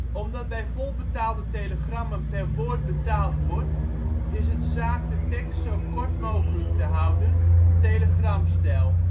Omdat bij volbetaalde telegrammen per woord betaald wordt is het zaak de tekst zo kort mogelijk te houden (telegramstijl